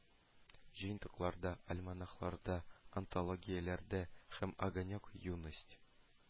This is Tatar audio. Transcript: Җыентыкларда, альманахларда, антологияләрдә һәм «огонёк», «юность»,